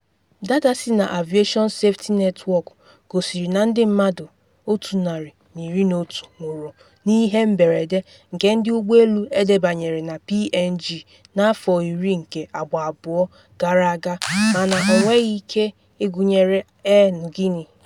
Data si na Aviation Safety Network gosiri na ndị mmadụ 111 nwụrụ n’ihe mberede nke ndị ụgbọ elu edebanyere-na-PNG n’afọ iri nke agba abụọ gara aga mana ọ nweghị ike ịgụnyere Air Niugini.